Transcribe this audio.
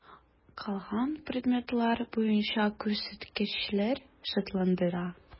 Калган предметлар буенча күрсәткечләр шатландыра.